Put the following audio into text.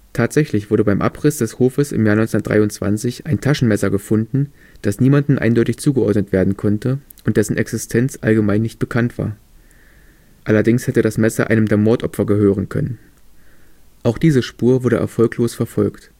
Tatsächlich wurde beim Abriss des Hofes im Jahr 1923 ein Taschenmesser gefunden, das niemandem eindeutig zugeordnet werden konnte und dessen Existenz allgemein nicht bekannt war. Allerdings hätte das Messer einem der Mordopfer gehören können. Auch diese Spur wurde erfolglos verfolgt